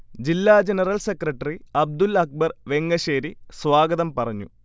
ജില്ലാ general secretary Abdul Akbar Vengassery സ്വാഗതം പറഞ്ഞു